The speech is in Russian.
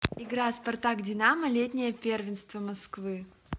игра спартак динамо летнее первенство москвы